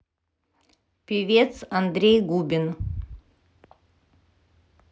певец андрей губин